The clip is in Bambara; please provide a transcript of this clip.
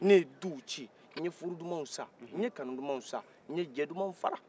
ne ye duw ci n ye fuuru dumaw sa n ye kanu dumaw sa n ye jɛ dumaw fara